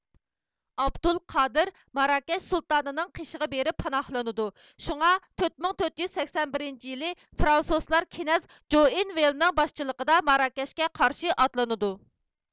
ئابدۇل قادىر ماراكەش سۇلتانىنىڭ قېشىغا بېرىپ پاناھلىنىدۇ شۇڭا تۆت مىڭ تۆت يۈز سەكسەن بىرىنچى يىلى فرانسۇزلار كېنەز جوئىنۋىلېنىڭ باشچىلىقىدا ماراكەشكە قارشى ئاتلىنىدۇ